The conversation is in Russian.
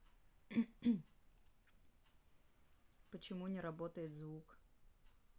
почему не работает звук